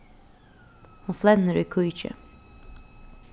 hon flennir í kíki